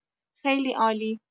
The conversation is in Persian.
خیلی عالی!